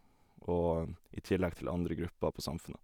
og I tillegg til andre grupper på Samfundet.